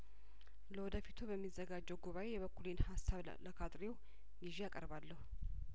ለወደፊቱ በሚዘጋጀው ጉባኤ የበኩሌን ሀሳብ ለካድሬው ይዤ አቀርባለሁ